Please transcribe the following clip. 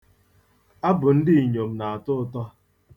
Abụ ndịìnyòm̀ na-atọ ụtọ.